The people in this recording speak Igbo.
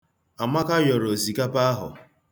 Amaka yọrọ osikapa ahụ.